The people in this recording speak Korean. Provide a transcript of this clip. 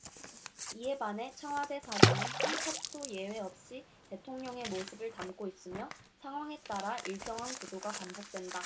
이에 반해 청와대 사진은 한 컷도 예외 없이 대통령의 모습을 담고 있으며 상황에 따라 일정한 구도가 반복된다